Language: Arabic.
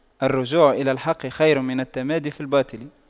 الرجوع إلى الحق خير من التمادي في الباطل